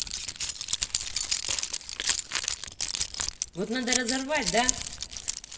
вот надо разорвись да